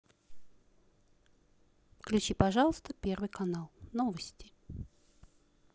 включи пожалуйста первый канал новости